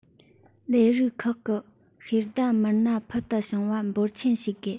ལས རིགས ཁག གི ཤེས ལྡན མི སྣ ཕུལ དུ བྱུང བ འབོར ཆེན ཞིག དགོས